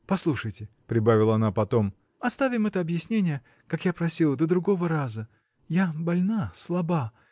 Послушайте, — прибавила она потом, — оставим это объяснение, как я просила, до другого раза. Я больна, слаба.